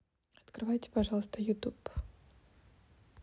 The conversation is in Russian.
открывайте пожалуйста ютуб